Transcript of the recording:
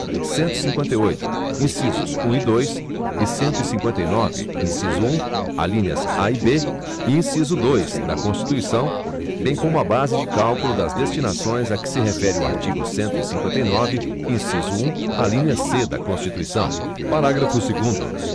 cento e cinquenta e oito incisos um e dois e cento e cinquenta e nove inciso um alíneas a e b e inciso dois da constituição bem como a base de cálculo das destinações a que se refere o artigo cento e cinquenta e nove inciso um alínea c da constituição parágrafo segundo